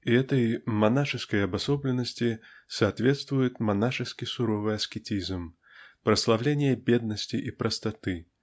И этой монашеской обособленности соответствует монашески-суровый аскетизм прославление бедности и простоты